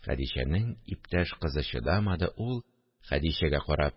Хәдичәнең иптәш кызы чыдамады, ул, Хәдичәгә карап